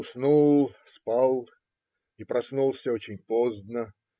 Уснул, спал и проснулся очень поздно.